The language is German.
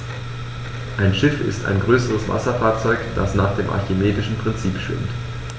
Ein Schiff ist ein größeres Wasserfahrzeug, das nach dem archimedischen Prinzip schwimmt.